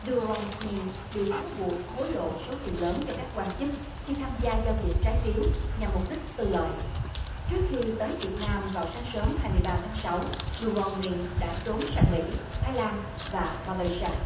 đu rong minh bị cáo buộc hối lộ số tiền lớn cho các quan chức khi tham gia giao dịch trái phiếu nhằm mục đích tư lợi trước khi tới việt nam vào sáng sớm hai mươi ba tháng sáu đu rong minh đã trốn sang mỹ thái lan và ma lay si a